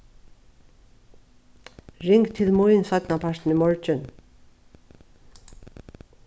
ring til mín seinnapartin í morgin